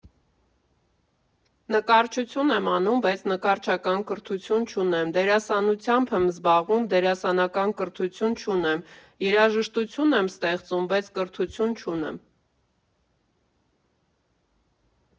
Նկարչություն եմ անում, բայց նկարչական կրթություն չունեմ, դերասանությամբ եմ զբաղվում՝ դերասանական կրթություն չունեմ, երաժշտություն եմ ստեղծում, բայց կրթություն չունեմ։